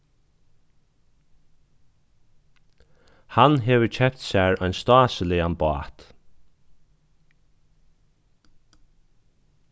hann hevur keypt sær ein stásiligan bát